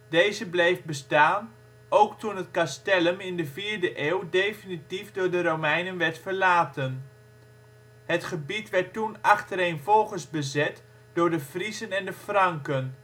Deze bleef bestaan, ook toen het castellum in de vierde eeuw definitief door de Romeinen werd verlaten. Het gebied werd toen achtereenvolgens bezet door de Friezen en de Franken